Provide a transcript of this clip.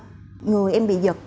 người em bị giật